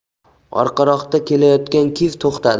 orqaroqda kelayotgan kiv to'xtadi